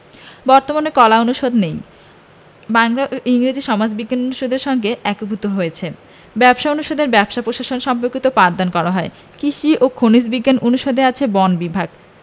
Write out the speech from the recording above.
বর্তমানে কলা অনুষদ নেই বাংলা এবং ইংরেজি সমাজবিজ্ঞান অনুষদের সঙ্গে একীভূত হয়েছে ব্যবসায় অনুষদে ব্যবসায় প্রশাসন সম্পর্কিত পাঠদান করা হয় কৃষি এবং খনিজ বিজ্ঞান অনুষদে আছে বন বিভাগ